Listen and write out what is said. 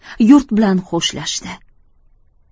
yurt bilan xo'shlashdi